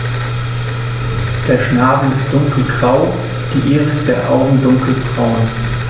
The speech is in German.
Der Schnabel ist dunkelgrau, die Iris der Augen dunkelbraun.